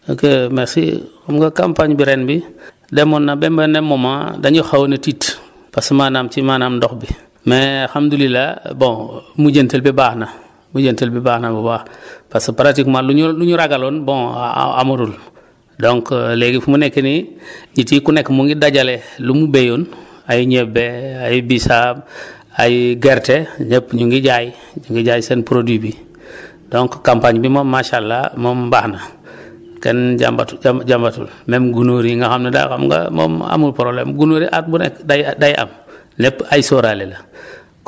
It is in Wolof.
ok merci xam nga campagne bi ren bi demoon na ba benn moment dañu xawoon a tiit parce que maanaam ci maanaam ndox bi mais alhamdulilah bon mujjantel ba baax na mujjantel ba baax na bu baax pârce que partiquement lu ñu lu ñu ragaloon bon amul donc léegi fu mu nekk nii nit yi ku nekk mu ngi dajale lu mu béyoon ay ñebe ay bisaab ay gerte ñëpp ñu ngi jaay ñu ngi jaay seen produit bi donc campagne bi moom macha allah moom baax na kenn jambatu jam jambatul même gunóor yi nga xam ne daal xam nga moom amul problème gunóor yi at bu nekk day day am lépp ay sóoraale la